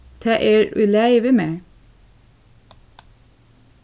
tað er í lagi við mær